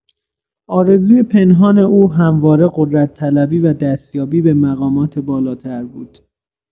آرزوی پنهان او همواره قدرت‌طلبی و دستیابی به مقامات بالاتر بود.